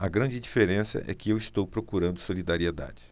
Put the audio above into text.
a grande diferença é que eu estou procurando solidariedade